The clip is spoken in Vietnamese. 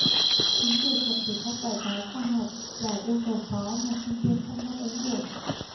chính điều kiện về các bài báo khoa học là yêu cầu khó mà sinh viên không đáp ứng được